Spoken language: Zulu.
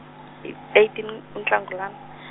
e- eighteen uNhlangulana .